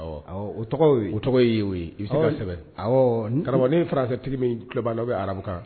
O tɔgɔ o tɔgɔ ye y ye o ye u tɔgɔ karamɔgɔ ni farafetigi minba' bɛ aramukan